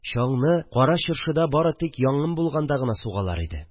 Чаңны Кара Чыршыда бары тик янгын булганда гына сугалар иде